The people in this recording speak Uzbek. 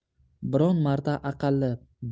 biron marta aqalli